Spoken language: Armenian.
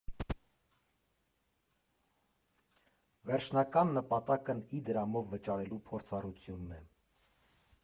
Վերջնական նպատակն Իդրամով վճարելու փորձառությունն է։